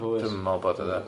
Dwi'm yn meddwl bod o 'de.